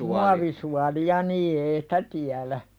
muovisuolia niin ei sitä tiedä